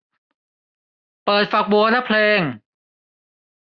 เปิดฝักบัวและเพลง